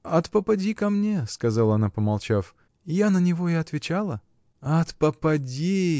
А от попадьи ко мне, — сказала она, помолчав, — я на него и отвечала. — От попадьи!